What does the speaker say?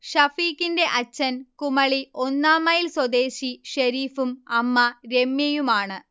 ഷഫീക്കിന്റെ അച്ഛൻ കുമളി ഒന്നാംമൈൽ സ്വദേശി ഷെരീഫും അമ്മ രമ്യയുമാണ്